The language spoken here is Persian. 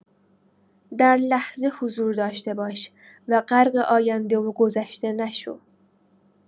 در لحظه حضور داشته باش و غرق آینده و گذشته نشو.